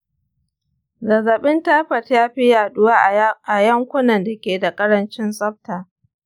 zazzabin taifot ya fi yaduwa a yankunan da ke da ƙarancin tsafta.